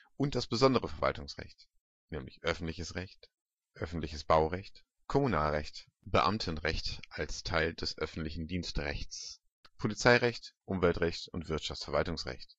Besonderes Verwaltungsrecht Öffentliches Baurecht Kommunalrecht Beamtenrecht (als Teil des öffentlichen Dienstrechts) Polizeirecht Umweltrecht Wirtschaftsverwaltungsrecht